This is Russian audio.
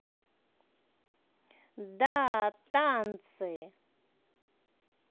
да танцы